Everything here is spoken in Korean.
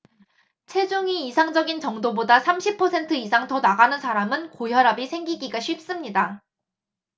체중이 이상적인 정도보다 삼십 퍼센트 이상 더 나가는 사람은 고혈압이 생기기가 쉽습니다